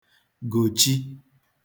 gòchi